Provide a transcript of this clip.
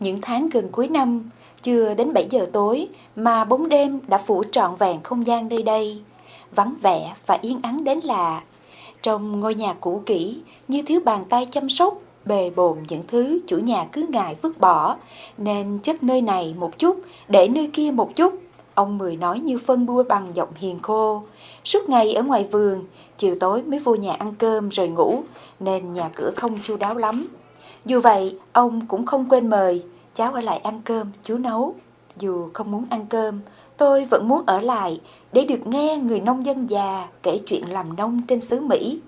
những tháng gần cuối năm chưa đến bảy giờ tối mà bóng đêm đã phủ trọn vẹn không gian nơi đây vắng vẻ và yên ắng đến lạ trong ngôi nhà cũ kỹ như thiếu bàn tay chăm sóc bề bộn những thứ chủ nhà cứ ngại vứt bỏ nên chất nơi này một chút để nơi kia một chút ông mười nói như phân bua bằng giọng hiền khô suốt ngày ở ngoài vườn chiều tối mới vô nhà ăn cơm rồi ngủ nên nhà cửa không chu đáo lắm dù vậy ông cũng không quên mời cháu ở lại ăn cơm chú nấu dù không muốn ăn cơm tôi vẫn muốn ở lại để được nghe người nông dân già kể chuyện làm nông trên xứ mỹ